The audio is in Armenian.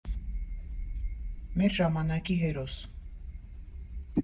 Մեր ժամանակի հերոս։